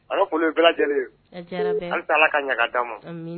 An ka foli bɛ bɛɛ lajɛlen ye, a diyara bɛɛ ye, halisa Ala k'a ɲɛ ka di ma, amin